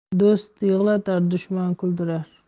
do'st yig'latar dushman kuldirar